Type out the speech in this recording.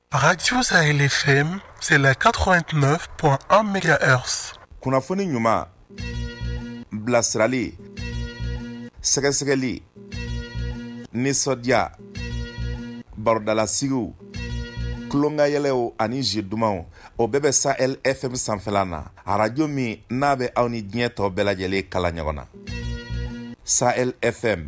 Sagajsa fɛ sɛka tun p an bɛ kunnafoni ɲuman bilasirali sɛgɛsɛgɛli nisɔndiya barodalasigi tulonkanyw ani zi dumanumaw o bɛɛ bɛ sa efɛn sanfɛ na arajo min n'a bɛ aw ni diɲɛ tɔw bɛɛ lajɛlen kala ɲɔgɔn na san efɛn